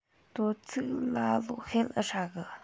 དོ ཚིགས ལ ལོ ཤེད ཨེ ཧྲ གི